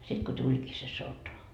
sitten kun tulikin se sota